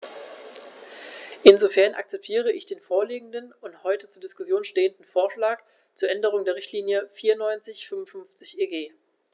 Insofern akzeptiere ich den vorliegenden und heute zur Diskussion stehenden Vorschlag zur Änderung der Richtlinie 94/55/EG.